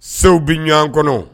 Sew bɛ ɲɔgɔn kɔnɔ